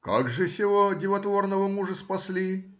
Как же сего дивотворного мужа спасли?